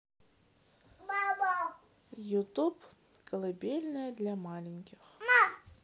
ютуб колыбельная для маленьких